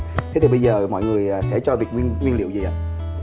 thế thì bây giờ mọi người sẽ cho việt nguyên liệu gì ạ